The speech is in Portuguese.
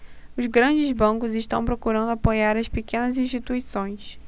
os grandes bancos estão procurando apoiar as pequenas instituições